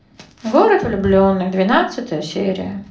город влюбленных двенадцатая серия